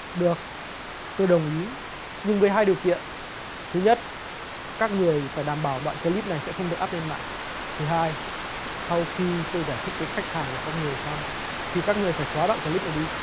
được tôi đồng ý nhưng với hai điều kiện thứ nhất các người phải đảm bảo đoạn cờ líp này sẽ không được ắp lên mạng thứ hai sau khi tôi giải thích với khách hàng của các người xong thì các người phải xóa đoạn cờ líp này đi